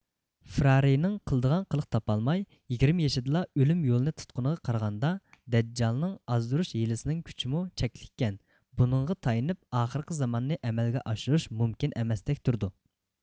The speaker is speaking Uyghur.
فىرارينىڭ قىلدىغان قىلىق تاپالماي يىگىرمە يېشىدىلا ئۆلۈم يولنى تۇتقىنىغا قارىغاندا دەججالنىڭ ئازدۇرۇش ھىيلىسىنىڭ كۈچىمۇ چەكلىككەن بۇنىڭغا تايىنىپ ئاخىرقى زاماننى ئەمەلگە ئاشۇرۇش مۇمكىن ئەمەستەك تۇرىدۇ